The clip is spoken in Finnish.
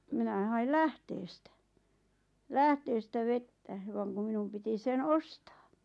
minä hain lähteestä lähteestä vettä vaan kun minun piti sen ostaa